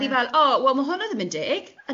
O'n i fel, o, wel ma' hwnna ddim yn deg.